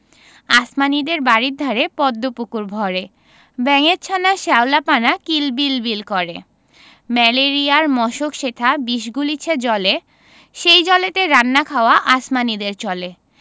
আসমানীদের বাড়ির ধারে পদ্ম পুকুর ভরে ব্যাঙের ছানা শ্যাওলা পানা কিল বিল বিল করে ম্যালেরিয়ার মশক সেথা বিষ গুলিছে জলে সেই জলেতে রান্না খাওয়া আসমানীদের চলে